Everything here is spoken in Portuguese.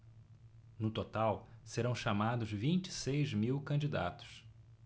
no total serão chamados vinte e seis mil candidatos